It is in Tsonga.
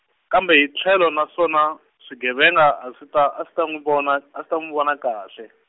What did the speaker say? kambe hi tlhelo na swona, swigevenga a swi ta, a swi ta n'wi vona, a swi ta n'wi vona kahle.